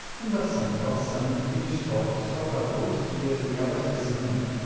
fundação pró sangue tem estoque só para dois dias de abastecimento